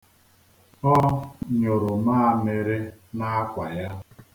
Ọ nyụrụ maamịrị n'akwà ya.